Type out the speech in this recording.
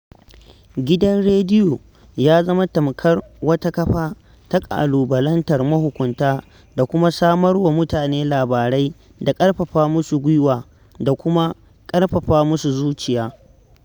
Gidan rediyo ya zama tamkar wata kafa ta ƙalubalantar mahukunta da kuma samar wa mutane labarai da ƙarfafa musu gwiwa da kuma ƙarfafa musu zuciya.